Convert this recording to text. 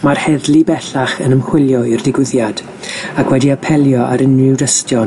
Mae'r heddlu bellach yn ymchwilio i'r digwyddiad ac wedi apelio a'r unrhyw dystion